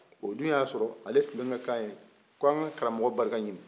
o dun y'a sɔrɔ ale tulon kɛ kan ye ko an ka karamɔgɔ barika ɲini